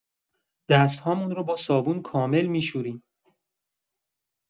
دست‌هامون رو با صابون کامل می‌شوریم.